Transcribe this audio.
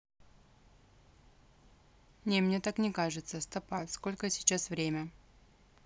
не мне так не кажется стопа сколько сейчас время